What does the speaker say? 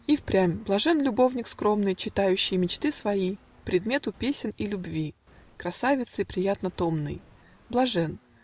И впрям, блажен любовник скромный, Читающий мечты свои Предмету песен и любви, Красавице приятно-томной! Блажен.